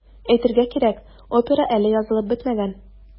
Әйтергә кирәк, опера әле язылып бетмәгән.